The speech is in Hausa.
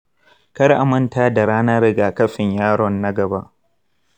kar amanta da ranar rigakafin yaron na gaba